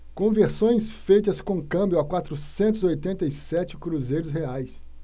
conversões feitas com câmbio a quatrocentos e oitenta e sete cruzeiros reais